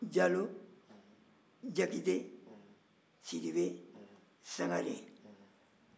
jalo jakite sidibe sangare